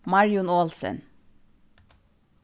marjun olsen